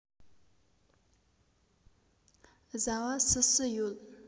བཟའ བ སུ སུ ཡོད